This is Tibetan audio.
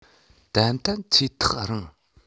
ཏན ཏན ཚེ ཐག རིང